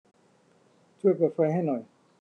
ช่วยเปิดไฟให้หน่อย